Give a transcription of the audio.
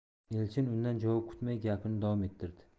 elchin undan javob kutmay gapini davom ettirdi